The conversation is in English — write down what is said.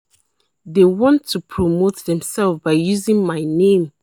"They want to promote themselves by using my name.